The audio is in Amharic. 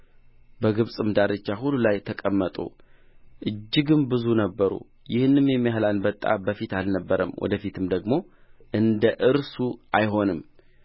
በግብፅም ዳርቻ ሁሉ ላይ ተቀመጡ እጅግም ብዙ ነበሩ ይህንም የሚያህል አንበጣ በፊት አልነበረም ወደ ፊትም ደግሞ እንደ እርሱ አይሆንም